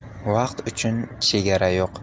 vaqt uchun chegara yo'q